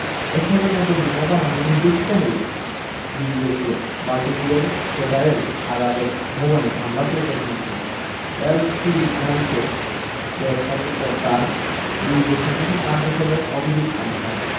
এসবের মধ্যে বোমা বানানোর নির্দেশিকামূলক ভিডিও ছিল বাল্টিমোরের ফেডারেল আদালত ভবনে হামলার পরিকল্পনা ছিল এলসহিনাউয়িকে গ্রেপ্তারের পর তাঁর বিরুদ্ধে সন্ত্রাসী কার্যক্রমের অভিযোগ আনা হয়